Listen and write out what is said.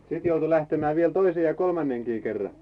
sitten joutui lähtemään vielä toisen ja kolmannenkin kerran